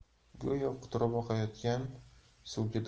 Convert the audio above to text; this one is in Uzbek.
go'yo quturib oqayotgan suvga